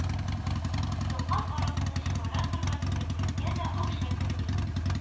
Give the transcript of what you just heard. Ялган аракыны чыгара торган төбәкләргә дә акча керми.